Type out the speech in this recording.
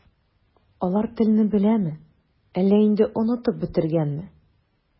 Алар телне беләме, әллә инде онытып бетергәнме?